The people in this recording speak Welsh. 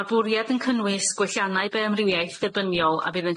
Ma'r bwriad yn cynnwys gwelliannau be-amrywiaeth ddibyniol a bydd